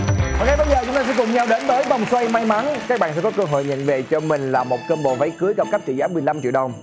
và ngay bây giờ chúng ta sẽ cùng nhau đến với vòng xoay may mắn các bạn sẽ có cơ hội nhận về cho mình là một com bồ váy cưới cao cấp trị giá mười lăm triệu đồng